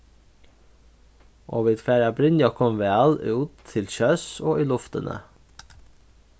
og vit fara at brynja okkum væl út til sjós og í luftini